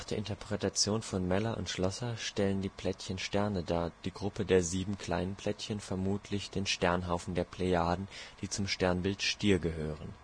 Interpretation von Meller und Schlosser stellen die Plättchen Sterne dar, die Gruppe der sieben kleinen Plättchen vermutlich den Sternhaufen der Plejaden, die zum Sternbild Stier gehören